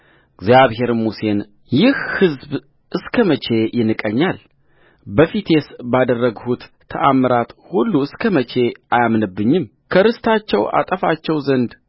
እግዚአብሔርም ሙሴን ይህ ሕዝብ እስከ መቼ ይንቀኛል በፊቱስ ባደረግሁት ተአምራት ሁሉ እስከ መቼ አያምንብኝም ከርስታቸው አጠፋቸው ዘንድ